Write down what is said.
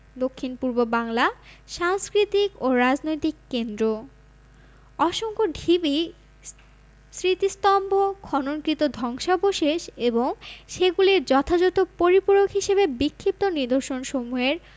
দক্ষিণপূর্ব বাংলা সাংস্কৃতিক ও রাজনৈতিক কেন্দ্র অসংখ্য ঢিবি স্মৃতিস্তম্ভ খননকৃত ধ্বংসাবশেষ এবং সেগুলির যথাযথ পরিপূরক হিসেবে বিক্ষিপ্ত নিদর্শনসমূহের